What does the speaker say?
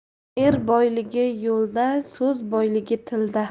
er boyligi yo'lda so'z boyligi tilda